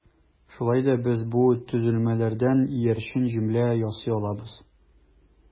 Шулай да без бу төзелмәләрдән иярчен җөмлә ясый алабыз.